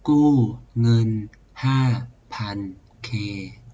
กู้เงินห้าพันเค